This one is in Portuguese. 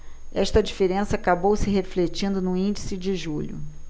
esta diferença acabou se refletindo no índice de julho